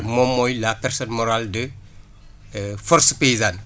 moom mooy la personne morale de force paysane